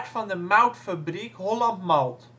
van de moutfabriek Holland Malt